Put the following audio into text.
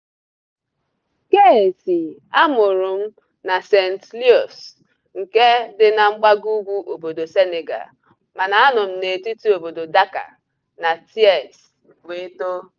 Keyti: a mụrụ m na Saint-Louis nke dị na mgbagougwu obodo Senegal, mana anọ m n'etiti obodo Dakar na Thies wee too.